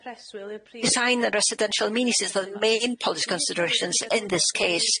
Design and residential the main policy considerations in this case.